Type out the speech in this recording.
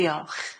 Diolch.